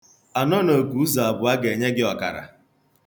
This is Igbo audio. Anọnoke ụzọ abụọ ga-enye gị ọkara.